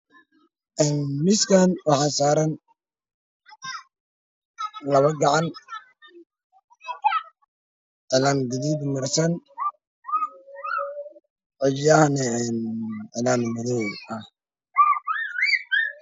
Een miiskan waxaa saaran labo gacan cilaan gaduud ah marsan cidiyahana cilaan madow ah marsan